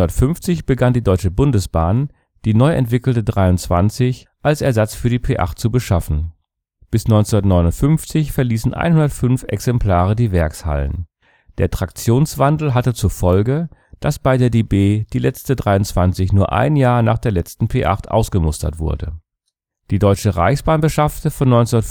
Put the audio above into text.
1950 begann die Deutsche Bundesbahn, die neu entwickelte 23 als Ersatz für die P 8 zu beschaffen. Bis 1959 verließen 105 Exemplare die Werkshallen. Der Traktionswandel hatte zur Folge, dass bei der DB die letzte 23 nur ein Jahr nach der letzten P 8 ausgemustert wurde. Die Deutsche Reichsbahn beschaffte von 1955